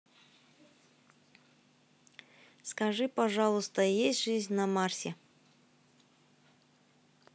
скажи пожалуйста есть жизнь на марсе